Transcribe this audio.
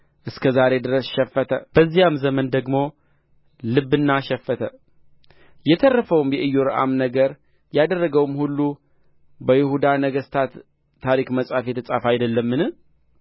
እስከ ዛሬ ድረስ ሸፈተ በዚያም ዘመን ደግሞ ልብና ሸፈተ የተረፈውም የኢዮራም ነገር ያደረገውም ሁሉ በይሁዳ ነገሥታት ታሪክ መጽሐፍ የተጻፈ አይደለምን